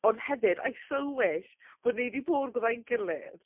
Ond hefyd, I so wish, bod ni 'di bod gyda'n gilydd...